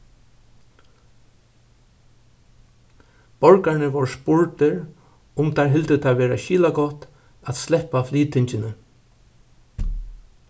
borgararnir vóru spurdir um teir hildu tað vera skilagott at sleppa flytingini